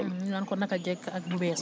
ñu naan ko naka jekk at bu bees bi